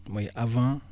waaye avant